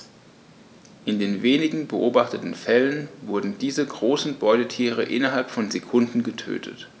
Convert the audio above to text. In den wenigen beobachteten Fällen wurden diese großen Beutetiere innerhalb von Sekunden getötet.